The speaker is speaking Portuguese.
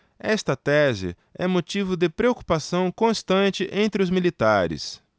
esta tese é motivo de preocupação constante entre os militares